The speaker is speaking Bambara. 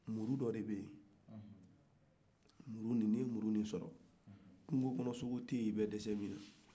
musu dɔ de bɛ yen ni i ye muru in sɔrɔ kunko kɔnɔ sogo tɛ yen ibɛ dɛsɛ min na